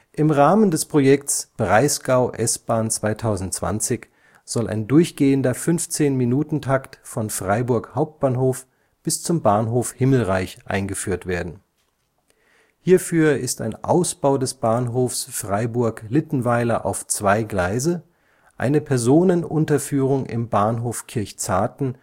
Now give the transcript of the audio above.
Im Rahmen des Projekts Breisgau-S-Bahn 2020 soll ein durchgehender 15-Minuten Takt von Freiburg Hbf bis zum Bahnhof Himmelreich eingeführt werden. Hierfür ist ein Ausbau des Bahnhofs Freiburg Littenweiler auf zwei Gleise, eine Personenunterführung im Bahnhof Kirchzarten